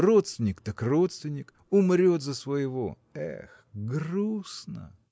родственник – так родственник: умрет за своего. эх, грустно!